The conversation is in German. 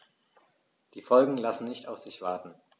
Die Folgen lassen nicht auf sich warten.